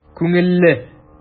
Күңелле!